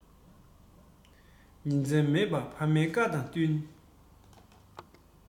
ཉིན མཚན མེད པ ཕ མའི བཀའ དང བསྟུན